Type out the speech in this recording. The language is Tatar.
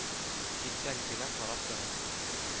Читтән генә карап тора.